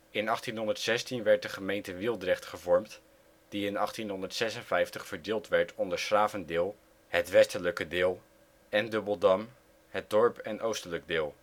In 1816 werd de gemeente Wieldrecht gevormd, die in 1856 verdeeld werd onder ' s-Gravendeel (westelijk deel) en Dubbeldam (dorp en oostelijk deel